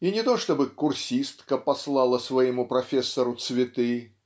и не то чтобы курсистка послала своему профессору цветы